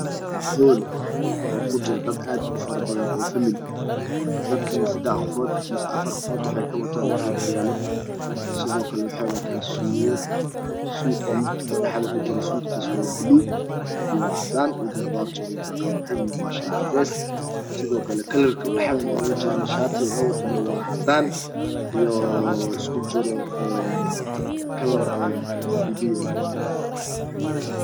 Hool oo kijara dad aad ufara badan dadkana 3 qafod misa 4 qafod waxay kawatan okiyalo sidoo kale waxay wataan suudad suudka midka dhaxda ku jira suudkiisa waa buluug iyo cadaan iyo garawaati uu wata kan ku xigana waa shaah cadays sidoo kale kalarkane dhaxda oga jira shaatiga oo wato waa cadaan iyo isku jiro een kalar oo biyo biyo ah